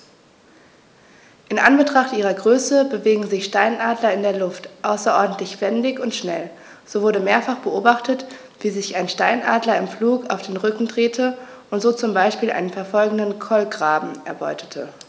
In Anbetracht ihrer Größe bewegen sich Steinadler in der Luft außerordentlich wendig und schnell, so wurde mehrfach beobachtet, wie sich ein Steinadler im Flug auf den Rücken drehte und so zum Beispiel einen verfolgenden Kolkraben erbeutete.